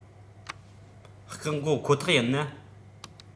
སྐག འགོ ཁོ ཐག ཡིན ན